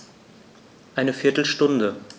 Eine viertel Stunde